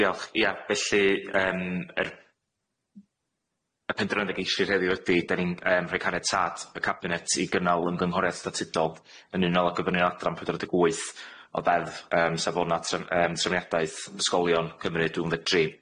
Diolch ia felly yym yr y penderfyniad a geisir heddiw ydi 'dan ni'n yym rhoi caniatâd y cabinet i gynnal ymgynghoriaeth statudol yn unol a gofynion adran pedwar deg wyth o ddeddf yym safona tre- yym trefniadaeth ysgolion Cymru dwy fil un deg tri,